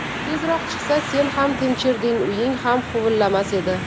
tezroq chiqsa sen ham tinchirding uying ham huvillamas edi